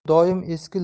u doim eski